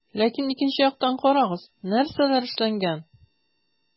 Ләкин икенче яктан - карагыз, нәрсәләр эшләнгән.